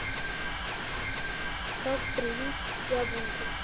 как привить яблоньку